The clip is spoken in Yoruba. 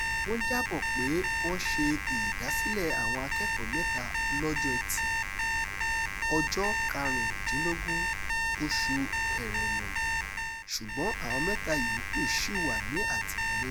Wọ́n jábọ̀ pé wọ́n ṣe ìdásílẹ̀ àwọn akẹ́kọ̀ọ́ mẹ́ta lọ́jọ́ Ẹtì, 15 oṣù Ẹrẹ́nà ṣùgbọ́n àwọn mẹ́ta yòókù ṣì wà ní àtìmọ́lé.